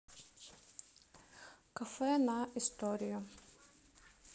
кафе на историю